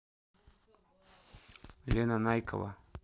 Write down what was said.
лена найкова